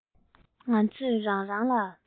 ང ཚོས རང རང ལ